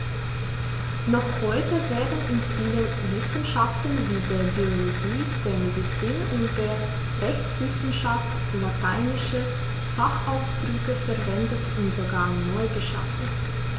Noch heute werden in vielen Wissenschaften wie der Biologie, der Medizin und der Rechtswissenschaft lateinische Fachausdrücke verwendet und sogar neu geschaffen.